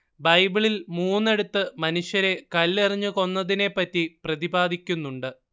ബൈബിളിൽ മൂന്നിടത്ത് മനുഷ്യരെ കല്ലെറിഞ്ഞ് കൊന്നതിനെപ്പറ്റി പ്രതിപാദിക്കുന്നുണ്ട്